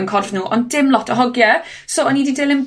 yn corff nhw, ond dim lot o hogie, so o'n i 'di dilyn